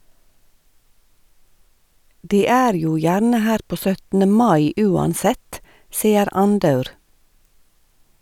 De er jo gjerne her på 17. mai uansett, sier Andaur.